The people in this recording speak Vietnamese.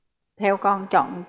theo con chọn con